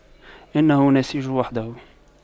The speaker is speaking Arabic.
إنه نسيج وحده